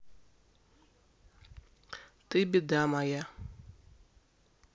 ты беда моя